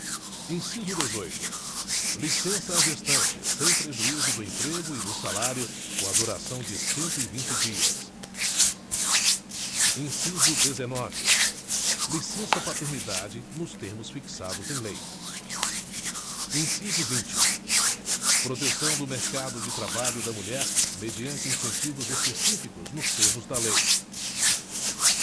inciso dezoito licença à gestante sem prejuízo do emprego e do salário com a duração de cento e vinte dias inciso dezenove licença paternidade nos termos fixados em lei inciso vinte proteção do mercado de trabalho da mulher mediante incentivos específicos nos termos da lei